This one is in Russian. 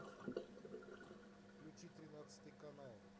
включи тринадцатый канал